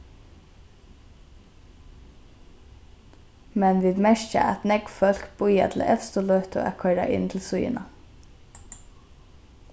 men vit merkja at nógv fólk bíða til evstu løtu at koyra inn til síðuna